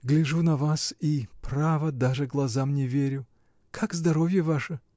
Гляжу на вас и, право, даже глазам не верю. Как здоровье ваше?